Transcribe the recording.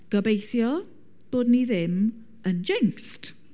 Gobeithio bod ni ddim yn jinxed.